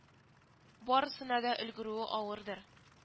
Барысына да өлгерүе авырдыр. С